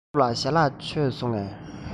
སྟོབས ལགས ཞལ ལག མཆོད སོང ངས